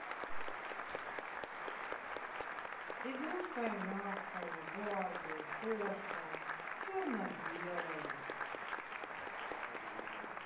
игрушка мягкая барби кошка черно белая